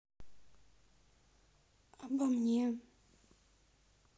обо мне